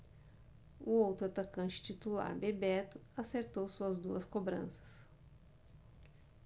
o outro atacante titular bebeto acertou suas duas cobranças